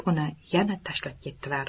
uni yana tashlab ketdilar